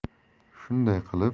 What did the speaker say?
shunday qilib